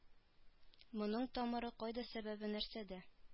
Моның тамыры кайда сәбәбе нәрсәдә